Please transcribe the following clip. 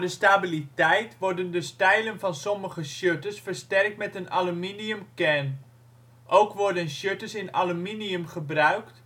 stabiliteit worden de stijlen van sommige shutters versterkt met een aluminium kern. Ook worden shutters in aluminium gebruikt